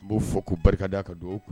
N b'o fɔ ko barika d'a ka don